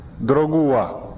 dɔrɔgu wa